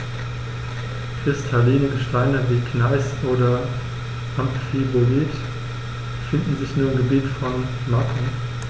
Kristalline Gesteine wie Gneis oder Amphibolit finden sich nur im Gebiet von Macun.